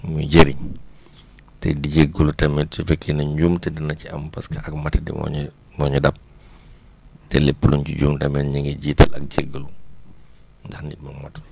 muy jëriñ te di jégalu tamit su fekkee ne njuumte dina ci am parce que moo ñu moo ñu dab te lépp luñ ci juum tamit ñu ngi jiital ag jégalu ndax nit moom matul